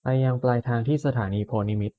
ไปยังปลายทางที่สถานีโพธิ์นิมิตร